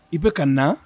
I bɛ ka na